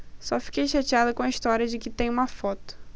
só fiquei chateada com a história de que tem uma foto